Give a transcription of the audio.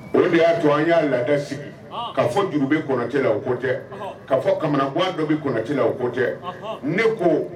O de y'a to an y'a laada sigi. Ka fɔ juru bɛ Konate la o ko tɛ ka fɔ kamana gan dɔ bɛ konate la o ko tɛ, ne ko